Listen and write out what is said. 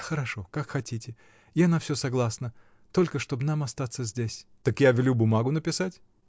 — Хорошо, как хотите, — я на всё согласна, только чтоб нам остаться здесь. — Так я велю бумагу написать?